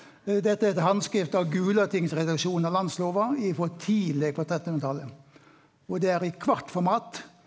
dette er eit handskrift av Gulatingsredaksjonen av landsloven i frå tidleg på trettenhundretalet og det er i kvart format.